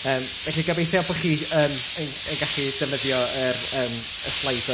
Yym felly gobeithio bo' chi yn yn yn gallu defnyddio yr yym Slido.